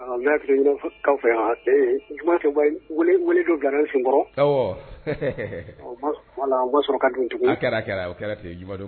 Kaw fɛ yan j don garansinkɔrɔ wala sɔrɔ ka dun kɛra o kɛrabado